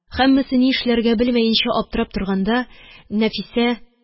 Һәммәсе ни эшләргә белмәенчә аптырап торганда, Нәфисә: